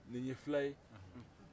nin ye fila ye